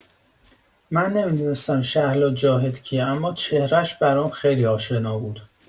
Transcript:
من نمی‌دونستم شهلا جاهد کیه اما چهره ش برام خیلی آشنا بود.